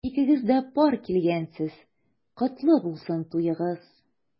Икегез дә пар килгәнсез— котлы булсын туегыз!